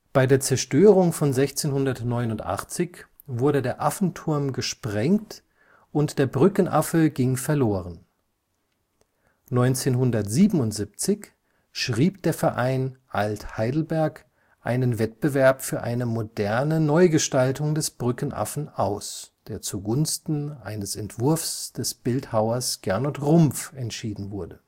Bei der Zerstörung von 1689 wurde der Affenturm gesprengt und der Brückenaffe ging verloren. 1977 schrieb der Verein Alt-Heidelberg einen Wettbewerb für eine moderne Neugestaltung des Brückenaffen aus, der zugunsten eines Entwurfs des Bildhauers Gernot Rumpf entschieden wurde